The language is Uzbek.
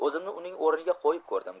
o'zimni uning o'miga qo'yib ko'rdim